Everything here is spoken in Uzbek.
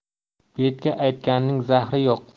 betga aytganning zahri yo'q